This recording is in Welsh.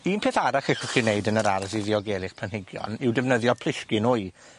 Un peth arall allwch ci neud yn yr ardd i ddiogelu'ch planhigion yw defnyddio plisgyn wy.